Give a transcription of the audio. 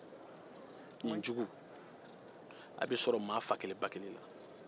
ninjugu bɛ sɔrɔ maa fa kelen ba kelen na